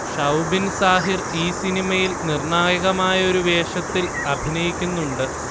ഷൗബിൻ സാഹിർ ഈ സിനിമയിൽ നിർണായകമായൊരു വേഷത്തിൽ അഭിനയിക്കുന്നുണ്ട്